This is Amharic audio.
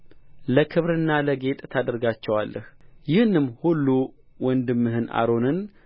ለክብርና ለጌጥ ታደርግላቸዋለህ ይህንም ሁሉ ወንድምህን አሮንን